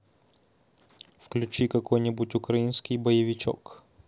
включи какой нибудь украинский боевичок